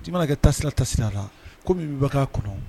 Jama mana kɛ tasira tasirayara la ko min bɛbaga kɔnɔ